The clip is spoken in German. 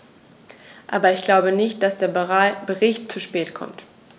Aber ich glaube nicht, dass der Bericht zu spät kommt.